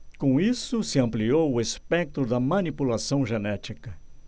com isso se ampliou o espectro da manipulação genética